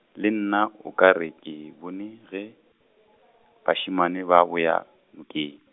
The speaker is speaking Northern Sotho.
le nna o ka re ke bone ge, bašemane ba boya, nokeng.